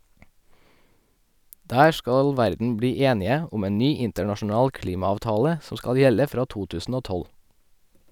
Der skal verden bli enige om en ny internasjonal klimaavtale som skal gjelde fra 2012.